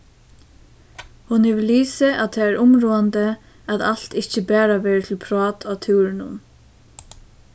hon hevur lisið at tað er umráðandi at alt ikki bara verður til prát á túrinum